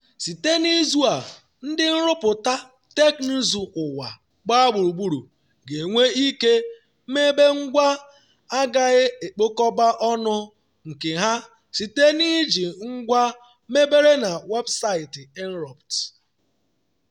Site n’izu a, ndị nrụpụta teknụzụ ụwa gbaa gburugburu ga-enwe ike mebe ngwa agaghị ekpokọba ọnụ nke ha site n’iji ngwa mebere na websaịtị Inrupt.